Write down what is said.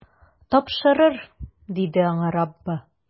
Тапшырыр, - диде аңа Раббы.